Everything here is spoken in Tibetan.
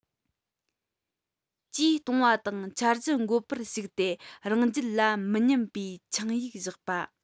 ཇུས གཏོང བ དང འཆར གཞི འགོད པར ཞུགས ཏེ རང རྒྱལ ལ མི མཉམ པའི ཆིངས ཡིག བཞག པ